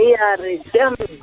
nu yaare jam